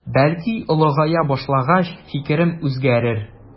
Бәлки олыгая башлагач фикерем үзгәрер.